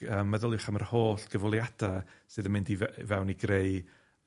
Yym meddyliwch am yr holl gyfweliada sydd yn mynd i fe- i fewn i greu